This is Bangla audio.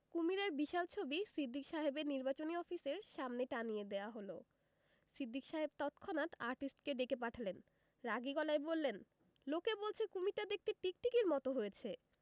কুমিরের বিশাল ছবি সিদ্দিক সাহেবের নির্বাচনী অফিসের সামনে টানিয়ে দেয়া হল সিদ্দিক সাহেব তৎক্ষণাৎ আর্টিস্টকে ডেকে পাঠালেন রাগী গলায় বললেন লোকে বলছে কুমীরটা দেখতে টিকটিকির মত হয়েছে